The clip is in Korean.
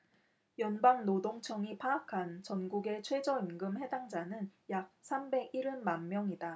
연방노동청이 파악한 전국의 최저임금 해당자는 약 삼백 일흔 만명이다